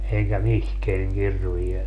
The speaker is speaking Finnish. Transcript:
enkä mihinkään kirveellä